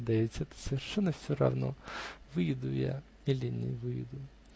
да ведь это совершенно все равно - выеду я иль не выеду.